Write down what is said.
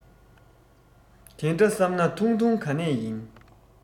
དེ འདྲ བསམས ན ཐུང ཐུང ག ནས ཡིན